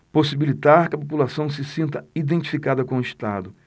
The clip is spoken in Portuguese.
possibilitar que a população se sinta identificada com o estado